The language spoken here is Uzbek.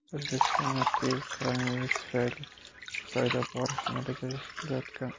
o'zbekiston tiv koronavirus tufayli xitoyga borishni rejalashtirayotgan